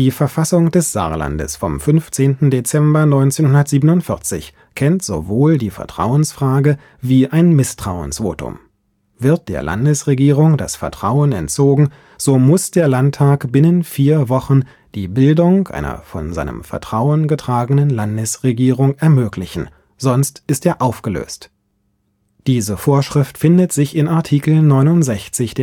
Verfassung des Saarlandes vom 15. Dezember 1947 kennt sowohl die Vertrauensfrage wie ein Misstrauensvotum. Wird der Landesregierung das Vertrauen entzogen, so muss der Landtag binnen vier Wochen „ die Bildung einer von seinem Vertrauen getragenen Landesregierung “ermöglichen, sonst ist er aufgelöst. Diese Vorschrift findet sich in Artikel 69